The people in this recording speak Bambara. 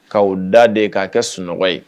K'aw da de k'a kɛ sunɔgɔ ye.